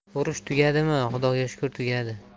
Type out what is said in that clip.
urush tugadimi xudoga shukur tugadi